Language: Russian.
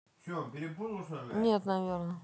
нет наверное